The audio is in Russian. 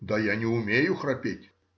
— Да я не умею храпеть.